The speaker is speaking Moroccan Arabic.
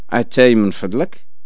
أتاي من فضلك